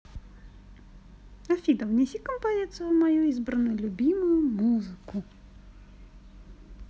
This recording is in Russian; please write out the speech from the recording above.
афина внеси эту композицию в мою избранную любимую музыку